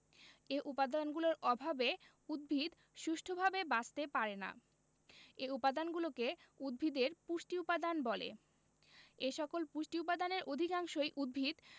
এ উপাদানগুলোর অভাবে উদ্ভিদ সুষ্ঠুভাবে বাঁচতে পারে না এ উপাদানগুলোকে উদ্ভিদের পুষ্টি উপাদান বলে এসকল পুষ্টি উপাদানের অধিকাংশই উদ্ভিদ